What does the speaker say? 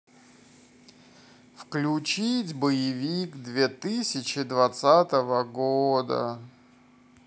включить боевик две тысячи двадцатого года